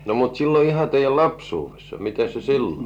mutta silloin ihan teidän lapsuudessa miten se silloin